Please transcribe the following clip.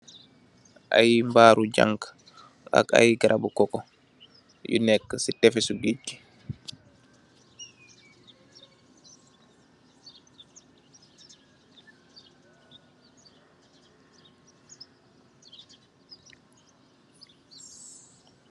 Ay baaru jangk ak ay garabu koko yu nekk si tefes su gaej gi